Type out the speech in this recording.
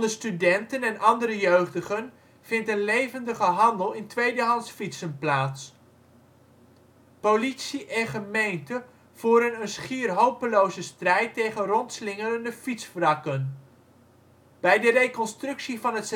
studenten en andere jeugdigen vindt een levendige handel in tweedehands fietsen plaats. Politie en gemeente voeren een schier hopeloze strijd tegen rondslingerende fietswrakken. Bij de reconstructie van het